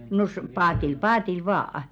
no - paatilla paatilla vain